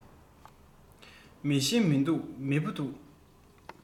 མེ ཤིང མི འདུག མེ ཕུ འདུག